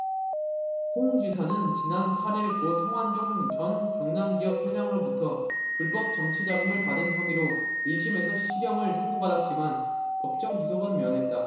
홍 지사는 지난 팔 일 고 성완종 전 경남기업 회장으로부터 불법 정치자금을 받은 혐의로 일 심에서 실형을 선고받았지만 법정 구속은 면했다